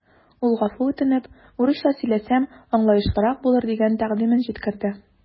Ул гафу үтенеп, урысча сөйләсәм, аңлаешлырак булыр дигән тәкъдимен җиткерде.